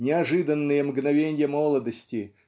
неожиданные мгновенья молодости